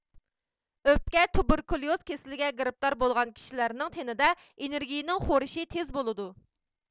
ئۆپكە تۇبېركۇليۇز كېسىلىگە گىرىپتار بولغان كىشىلەرنىڭ تېنىدە ئېنېرگىيىنىڭ خورىشى تېز بولىدۇ